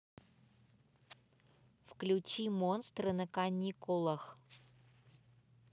включи монстры на каникулах